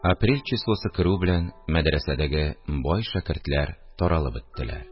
Апрель числосы керү белән, мәдрәсәдәге бай шәкертләр таралып беттеләр